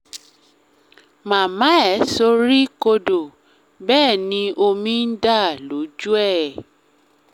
Màmá ẹ̀ sorí kodò, bẹ́è ni omi ń dà lójú ẹ̀.